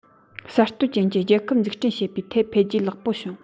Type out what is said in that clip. གསར གཏོད ཅན གྱི རྒྱལ ཁབ འཛུགས སྐྲུན བྱེད པའི ཐད འཕེལ རྒྱས ལེགས པོ བྱུང